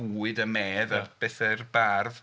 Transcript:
Bwyd a medd a... ia. ...betha i'r bardd.